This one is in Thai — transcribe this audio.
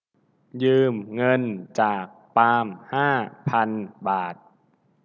ยืมเงินจากปาล์มห้าพันบาท